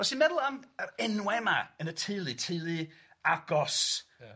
Os ti'n meddwl am yr enwau yma yn y teulu, teulu agos. Ia.